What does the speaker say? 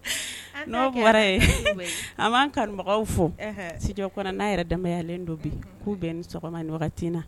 an t'a kɛ . n'o bɔra ye an b'an kanubagaw fo anhan studio kɔnɔna yɛrɛ denbayalen don bi k'u bɛɛ ni sɔgɔma nin wagati in na